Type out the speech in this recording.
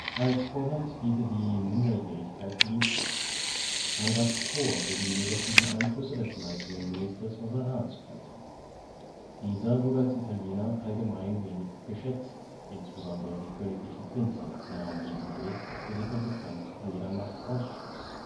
Als Vorwand diente die Minderjährigkeit Ludwigs. Man gab vor, gegen die negativen Einflüsse des Leitenden Ministers Mazarin zu kämpfen. Dieser wurde als Italiener allgemein wenig geschätzt, insbesondere die königlichen Prinzen nahmen ihm übel, dass er sie konsequent von jeder Macht ausschloss